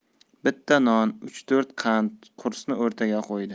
bitta non uch to'rt qant qursni o'rtaga qo'ydi